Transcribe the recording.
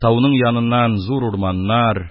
Тауның яныннан зур урманнар,